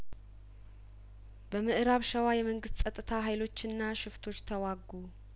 በምእራብ ሸዋ የመንግስት ጸጥታ ሀይሎችና ሽፍቶች ተዋጉ